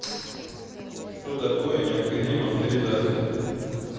что такое необходима авторизация